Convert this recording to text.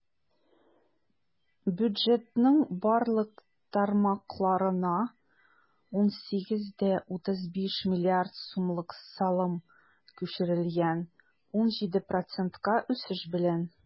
Бюджетның барлык тармакларына 18,35 млрд сумлык салым күчерелгән - 17 процентка үсеш белән.